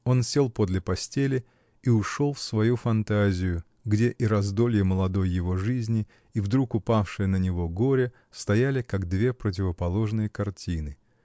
Он сел подле постели и ушел в свою фантазию, где и раздолье молодой его жизни, и вдруг упавшее на него горе стояли как две противоположные картины.